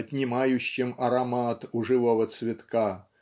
отнимающем аромат у живого цветка